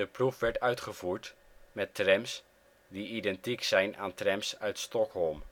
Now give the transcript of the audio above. proef werd uitgevoerd met trams die identiek zijn aan trams uit Stockholm